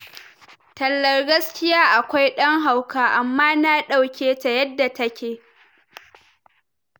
tallar gaskiya akwai dan hauka amma na dauke ta yadda ta ke.